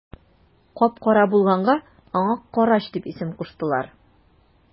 Кап-кара булганга аңа карач дип исем куштылар.